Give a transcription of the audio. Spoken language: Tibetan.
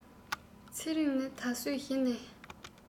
ཚེ རིང ནི ད གཟོད གཞི ནས